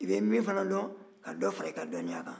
i bɛ min fana dɔn ka dɔ fara i ka dɔninya kan